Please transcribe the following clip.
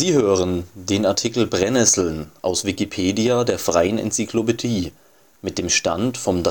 hören den Artikel Brennnesseln, aus Wikipedia, der freien Enzyklopädie. Mit dem Stand vom